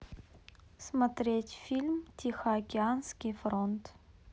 смотреть фильм тихоокеанский фронт